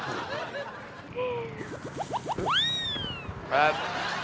là bạn gái anh